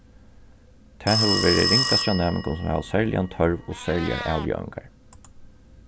tað hevur verið ringast hjá næmingum sum hava serligan tørv og serligar avbjóðingar